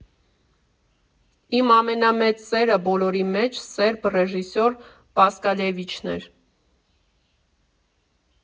Իմ ամենամեծ սերը բոլորի մեջ սերբ ռեժիսոր Պասկալևիչն էր։